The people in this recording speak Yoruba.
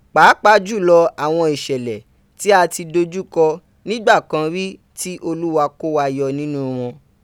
papa julo awon isele ti a ti dojuko nigbakan ri ti olorun ko way o ninu won